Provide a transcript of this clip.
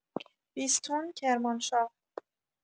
بیستون، کرمانشاه